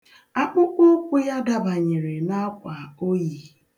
Akpụkpụụkwụ ya dabanyere n'akwa o yi.